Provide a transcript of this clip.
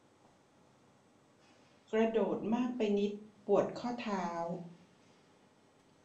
กระโดดมากไปนิดปวดข้อเท้า